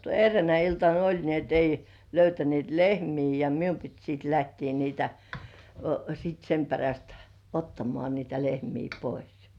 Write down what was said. eräänä iltana oli niin että ei löytäneet lehmiä ja minun piti siitä lähteä niitä sitten sen perästä ottamaan niitä lehmiä pois